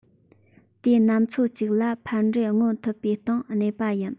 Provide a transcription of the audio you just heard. དུས ནམ ཚོད ཅིག ལ ཕན འབྲས མངོན ཐུབ པའི སྟེང གནས པ ཡིན